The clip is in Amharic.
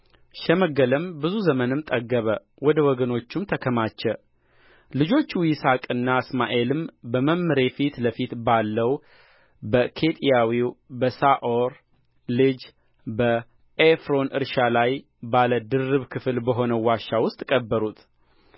ሸመገለም ብዙ ዘመንም ጠገበ ወደ ወገኖቹም ተከማቸ ልጆቹ ይስሐቅና እስማኤልም በመምሬ ፊት ለፊት ባለው በኬጢያዊ በሰዓር ልጅ በኤፍሮን እርሻ ላይ ባለ ድርብ ክፍል በሆነው ዋሻ ውስጥ ቀበሩት